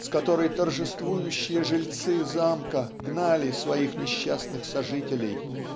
с которой торжествующие жильцы замка гнали своих несчастных сожителей